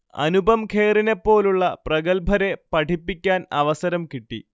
അനുപം ഖേറിനെപ്പോലുള്ള പ്രഗല്ഭരെ പഠിപ്പിക്കാൻ അവസരം കിട്ടി